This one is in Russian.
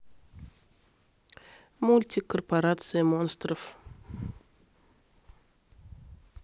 мультик корпорация монстров